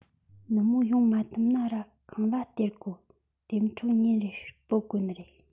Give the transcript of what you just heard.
ནུབ མོ ཡོང མ ཐུབ ན ར ཁང གླ སྟེར དགོ དེ འཕྲོ ཉིན རེར སྤོད དགོ ནི རེད